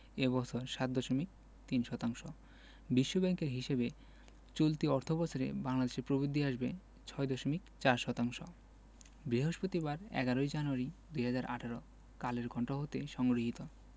এ বছর ৭.৩ শতাংশ বিশ্বব্যাংকের হিসাবে চলতি অর্থবছরে বাংলাদেশের প্রবৃদ্ধি আসবে ৬.৪ শতাংশ বৃহস্পতিবার ১১ জানুয়ারি ২০১৮ কালের কন্ঠ হতে সংগৃহীত